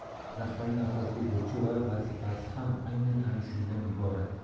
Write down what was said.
rahbarning asosiy burchi va vazifasi ham aynan ana shundan iborat